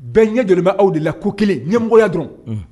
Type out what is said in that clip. Bɛɛ ɲɛ jɔlen bɛ aw de la ko kelen, ɲɛmɔgɔya dɔrɔnw.